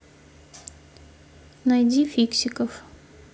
найди фиксиков